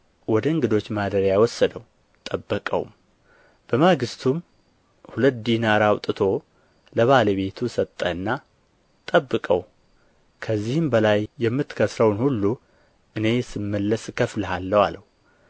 ወደ እንግዶች ማደርያ ወሰደው ጠበቀውም በማግሥቱም ሁለት ዲናር አውጥቶ ለባለቤቱ ሰጠና ጠብቀው ከዚህም በላይ የምትከስረውን ሁሉ እኔ ስመለስ እከፍልሃለሁ አለው